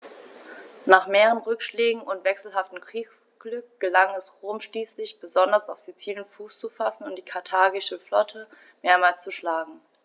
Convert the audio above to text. Nach mehreren Rückschlägen und wechselhaftem Kriegsglück gelang es Rom schließlich, besonders auf Sizilien Fuß zu fassen und die karthagische Flotte mehrmals zu schlagen.